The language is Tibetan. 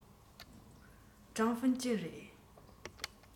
ཀྲང ཝུན ཅུན རེད